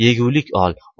yegulik ol